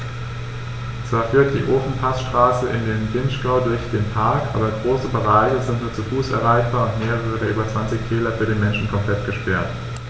Zwar führt die Ofenpassstraße in den Vinschgau durch den Park, aber große Bereiche sind nur zu Fuß erreichbar und mehrere der über 20 Täler für den Menschen komplett gesperrt.